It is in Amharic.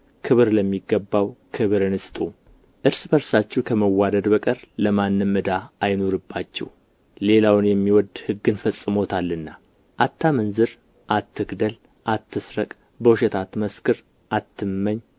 ክብር ለሚገባው ክብርን ስጡ እርስ በርሳችሁ ከመዋደድ በቀር ለማንም ዕዳ አይኑርባችሁ ሌላውን የሚወድ ሕግን ፈጽሞታልና አታመንዝር አትግደል አትስረቅ በውሸት አትመስክር አትመኝ